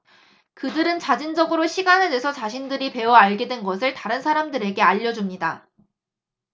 그들은 자진적으로 시간을 내서 자신들이 배워 알게 된 것을 다른 사람들에게 알려 줍니다